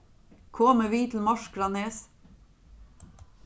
komið við til morskranes